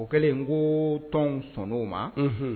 O kɛlen n koo tɔnw sɔnn'o ma unhun